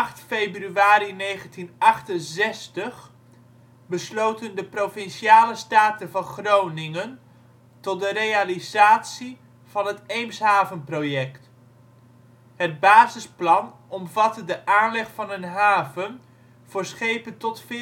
februari 1968 besloten de Provinciale Staten van Groningen tot de realisatie van het Eemshavenproject. Het basisplan omvatte de aanleg van een haven voor schepen tot